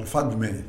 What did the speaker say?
O fa jumɛn yen